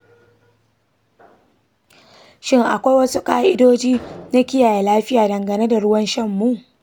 shin akwai wasu ƙa'idoji na kiyaye lafiya dangane da ruwan shanmu?